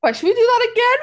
shall we do that again?